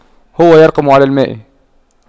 هو يرقم على الماء